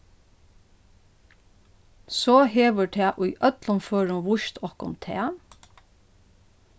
so hevur tað í øllum førum víst okkum tað